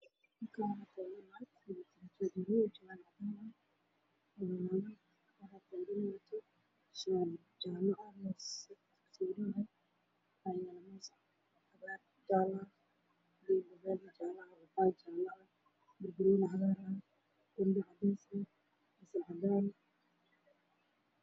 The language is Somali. Waa miis ah saaran tahay qudaar waxaa ag fadhiya naag